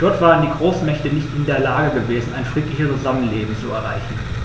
Dort waren die Großmächte nicht in der Lage gewesen, ein friedliches Zusammenleben zu erreichen.